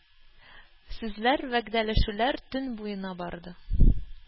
Сүзләр, вәгъдәләшүләр төн буена барды.